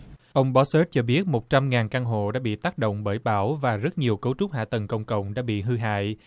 ông bót ốt cho biết một trăm ngàn căn hộ đã bị tác động bởi bão và rất nhiều cấu trúc hạ tầng công cộng đã bị hư hại